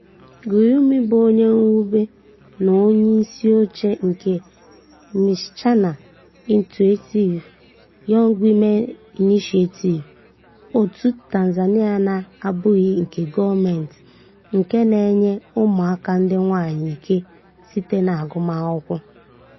Gyumi bụ onye mwube na onyeisioche nke Msichana Initiative (Young Woman Initiative), òtù Tanzania na-abụghị nke gọọmentị nke na-enye ụmụ aka ndị nwaanyị ike site n'agụmakwụkwọ.